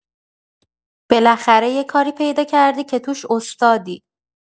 بالاخره یه کاری پیدا کردی که توش استادی.